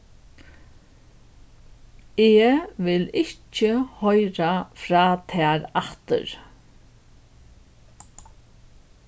eg vil ikki hoyra frá tær aftur